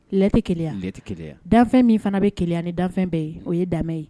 Lɛti kelen dan min fana bɛ kelen ni danfɛn bɛɛ ye o ye dan ye